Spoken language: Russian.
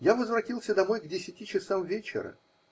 Я возвратился домой к десяти часам вечера